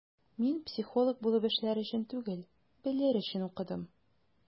Мин психолог булып эшләр өчен түгел, белер өчен укыдым.